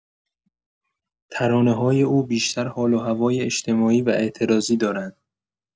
ترانه‌های او بیشتر حال‌وهوای اجتماعی و اعتراضی دارند.